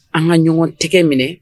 An ka ɲɔgɔn tɛgɛ minɛ